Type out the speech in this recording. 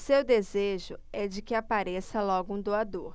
seu desejo é de que apareça logo um doador